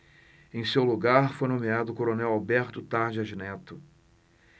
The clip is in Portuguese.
em seu lugar foi nomeado o coronel alberto tarjas neto